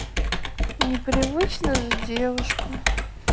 непривычно же девушка